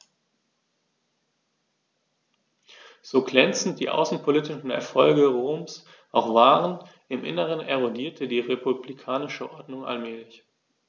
So glänzend die außenpolitischen Erfolge Roms auch waren: Im Inneren erodierte die republikanische Ordnung allmählich.